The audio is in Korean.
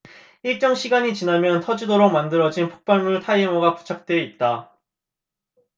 일정 시간이 지나면 터지도록 만들어진 폭발물 타이머가 부착돼 있다